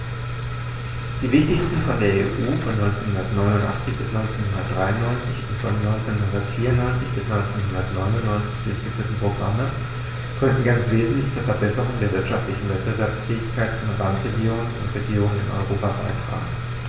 Die wichtigsten von der EU von 1989 bis 1993 und von 1994 bis 1999 durchgeführten Programme konnten ganz wesentlich zur Verbesserung der wirtschaftlichen Wettbewerbsfähigkeit von Randregionen und Regionen in Europa beitragen.